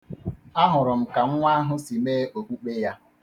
Ahụrụ m ka nwa ahụ si mee okpukpe ya.